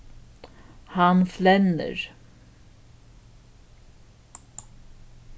hann flennir